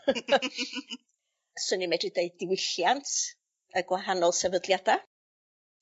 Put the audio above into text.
... swn i'n medru dweud diwylliant y gwahanol sefydliada.